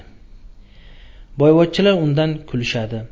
boyvachchalar undan kulishadi